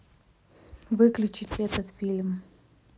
выключить этот фильм